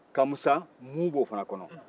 kamusa mu b'o fana kɔnɔ